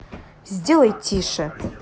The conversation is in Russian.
сделай тише